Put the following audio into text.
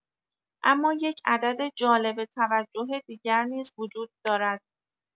اما یک عدد جالب‌توجه دیگر نیز وجود دارد.